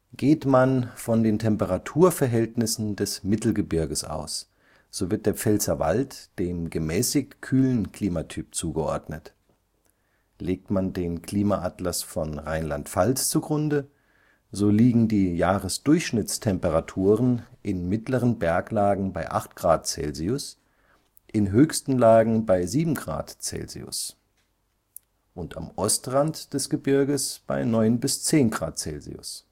Geht man von den Temperaturverhältnissen des Mittelgebirges aus, so wird der Pfälzerwald dem gemäßigt-kühlen Klimatyp zugeordnet. Legt man den Klimaatlas von Rheinland-Pfalz zugrunde, so liegen die Jahresdurchschnittstemperaturen in mittleren Berglagen bei 8 °C, in höchsten Lagen bei 7 °C. und am Ostrand des Gebirges bei 9 – 10 °C